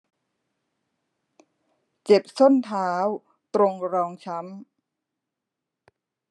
เจ็บส้นเท้าตรงรองช้ำ